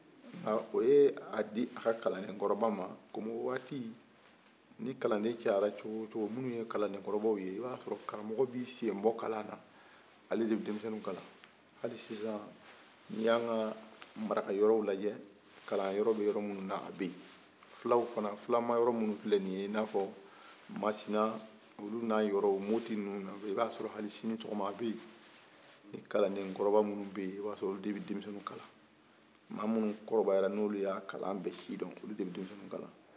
a ye a di a ka kalanden kɔrɔba ma komi o waati ni kalanden cayara cogo o cogo minnu ye kalanden kɔrɔbaw ye i ba sɔrɔ karamɔgɔ bi sen bɔ kalan na ale de bi denmisɛnnu kalan hali sisan ni y'an ka maraka yɔrɔw lajɛ kalanyɔrɔ bɛ yɔrɔ minnu na a bɛ yen filaw fana filama yɔrɔ minnu i n'a masina moti n'a ɲɔgɔn a b'a sɔrɔ ali sini sɔgɔma a bɛ yen ni kalanden kɔrɔba minnu bɛ yen i ba sɔrɔ olu de bɛ demisɛnnu kalan maa minnu kɔrɔbayara n'olu ba si don olu de bɛ denmisɛnnu kalan